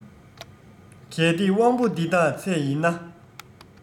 གལ ཏེ དབང པོ འདི དག ཚད ཡིན ན